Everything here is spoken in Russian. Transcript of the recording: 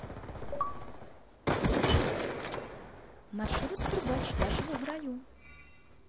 маршрут трубач я живу в раю